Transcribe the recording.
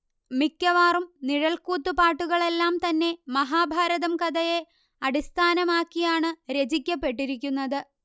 മിക്കവാറും നിഴൽക്കുത്തുപാട്ടുകളെല്ലാം തന്നെ മഹാഭാരതം കഥയെ അടിസ്ഥാനമാക്കിയാണു രചിക്കപ്പെട്ടിരിക്കുന്നത്